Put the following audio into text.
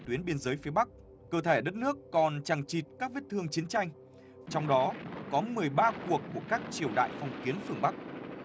tuyến biên giới phía bắc cơ thể đất nước còn chằng chịt các vết thương chiến tranh trong đó có mười ba cuộc của các triều đại phong kiến phương bắc